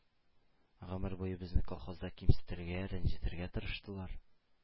Гомер буе безне колхозда кимсетергә, рәнҗетергә тырыштылар.